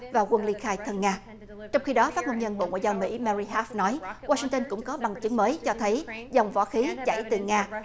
và quân ly khai thân nga trong khi đó phát ngôn bộ ngoại giao mỹ ma ri hác nói goa sinh tơn cũng có bằng chứng mới cho thấy dòng võ khí chảy từ nga